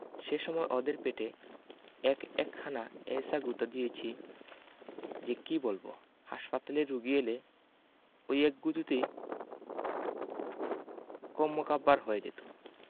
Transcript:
সে সময় ওদের পেটে এক একখানা এ্যায়সা গুঁতা দিয়েছি যে কি বলব হাসপাতালের রোগী হলে ঐ এক গুঁতোতেই কন্মকাব্বার হয়ে যেত